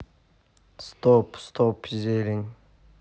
стоп стоп зелень